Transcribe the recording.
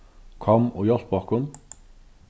kom og hjálp okkum